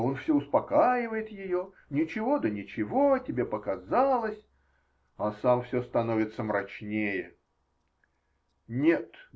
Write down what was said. Он все успокаивает ее: ничего да ничего, тебе показалось, -- а сам все становится мрачнее. -- Нет!